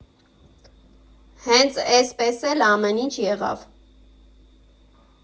Հենց էսպես էլ ամեն ինչ եղավ.